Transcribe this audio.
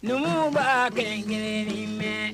Numuw b'a 1 1 ni mɛn